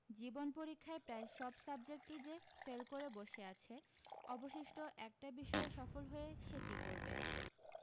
জীবন পরীক্ষার প্রায় সব সাবজেক্টই যে ফেল করে বসে আছে অবশিষ্ট একটা বিষয়ে সফল হয়ে সে কী করবে